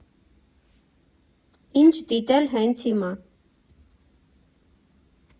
Ինչ դիտել հենց հիմա.